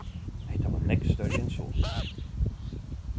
hetta var nógv størri enn so